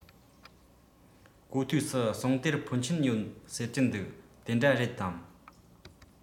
གོ ཐོས སུ ཟངས གཏེར འཕོན ཆེན ཡོད ཟེར གྱི འདུག དེ འདྲ རེད དམ